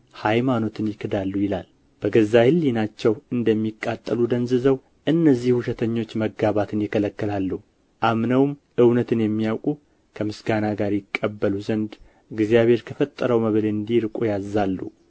ሃይማኖትን ይክዳሉ ይላል በገዛ ሕሊናቸው እንደሚቃጠሉ ደንዝዘው እነዚህ ውሸተኞች መጋባትን ይከለክላሉ አምነውም እውነትን የሚያውቁ ከምስጋና ጋር ይቀበሉ ዘንድ እግዚአብሔር ከፈጠረው መብል እንዲርቁ ያዝዛሉ